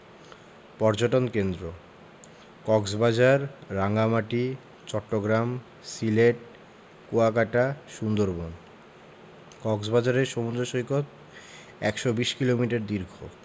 পর্যটন কেন্দ্রঃ কক্সবাজার রাঙ্গামাটি চট্টগ্রাম সিলেট কুয়াকাটা সুন্দরবন কক্সবাজারের সমুদ্র সৈকত ১২০ কিলোমিটার দীর্ঘ